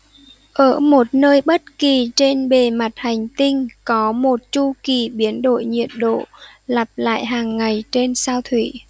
ở một nơi bất kỳ trên bề mặt hành tinh có một chu kỳ biến đổi nhiệt độ lặp lại hàng ngày trên sao thủy